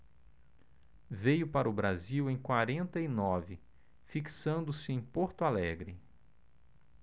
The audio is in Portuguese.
veio para o brasil em quarenta e nove fixando-se em porto alegre